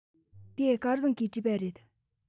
དེ སྐལ བཟང གིས བྲིས པ རེད